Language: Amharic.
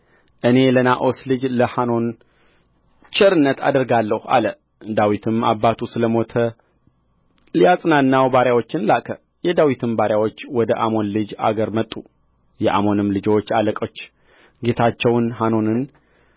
እኔ ለናዖስ ልጅ ለሐኖን ቸርነት አደርጋለሁ አለ ዳዊትም አባቱ ስለ ሞተ ሊያጽናናው ባሪያዎቹን ላከ የዳዊትም ባሪያዎች ወደ አሞን ልጆች አገር መጡ የአሞንም ልጆች አለቆች ጌታቸውን ሐኖንን